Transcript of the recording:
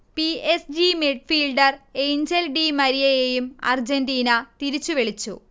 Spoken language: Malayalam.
P. S. G midfielder Angel Di മരിയയെയും അർജന്റീന തിരിച്ചുവിളിച്ചു